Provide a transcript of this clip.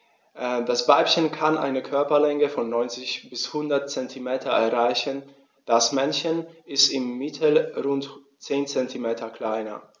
Das Weibchen kann eine Körperlänge von 90-100 cm erreichen; das Männchen ist im Mittel rund 10 cm kleiner.